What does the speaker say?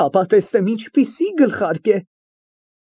Հապա տեսնեմ ինչպիսի գլխարկ է։